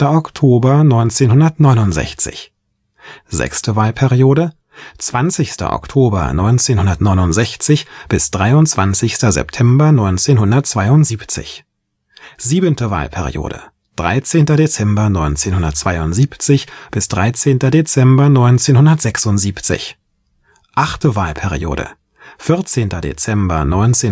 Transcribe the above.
Oktober 1969 6. Wahlperiode: 20. Oktober 1969 – 23. September 1972 7. Wahlperiode: 13. Dezember 1972 – 13. Dezember 1976 8. Wahlperiode: 14. Dezember 1976